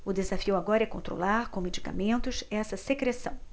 o desafio agora é controlar com medicamentos essa secreção